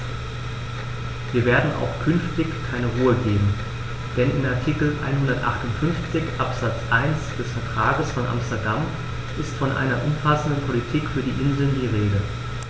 Wir werden auch künftig keine Ruhe geben, denn in Artikel 158 Absatz 1 des Vertrages von Amsterdam ist von einer umfassenden Politik für die Inseln die Rede.